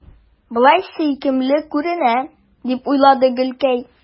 Болай сөйкемле күренә, – дип уйлады Гөлкәй.